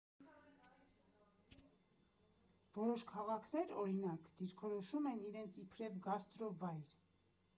Որոշ քաղաքներ, օրինակ, դիրքորոշում են իրենց իբրև գաստրո֊վայր։